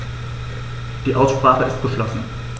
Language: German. Die Aussprache ist geschlossen.